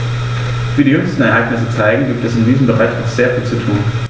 Wie die jüngsten Ereignisse zeigen, gibt es in diesem Bereich noch sehr viel zu tun.